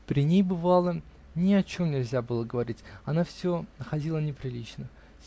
При ней, бывало, ни о чем нельзя было говорить: она все находила неприличным.